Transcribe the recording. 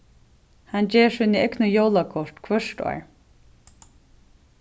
hann ger síni egnu jólakort hvørt ár